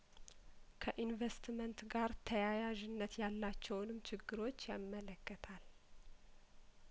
ከኢንቨስትመንት ጋር ተያያዥነት ያላቸውንም ችግሮች ያመለከታል